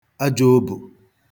ajọ̄ ōbù